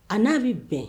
A n'a bɛ bɛn